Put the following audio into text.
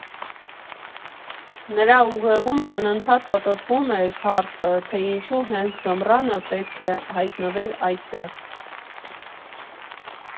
Նրա ուղեղում անընդհատ պտտվում էր հարցը, թե ինչու հենց ձմռանը պետք է հայտնվեր այդտեղ։